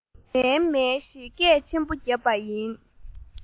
མཱེ མཱེ ཞེས སྐད ཆེན པོ བརྒྱབ པ ཡིན